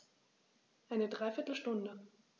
Eine dreiviertel Stunde